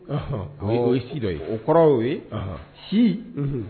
Ɔnhɔn, ɔnhɔn, ɔ o ye si dɔ ye, o kɔrɔ y'o ye, ɔhɔ, si, unhun